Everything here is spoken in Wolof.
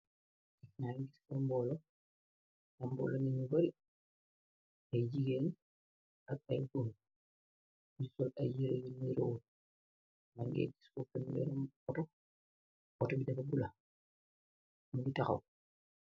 Aye jegueen yubarri la nyugui tahhaw cii borri Aye auto